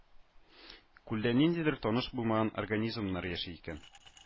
Күлдә ниндидер таныш булмаган организмнар яши икән